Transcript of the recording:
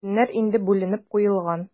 Көннәр инде бүленеп куелган.